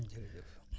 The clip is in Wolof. jërëjëf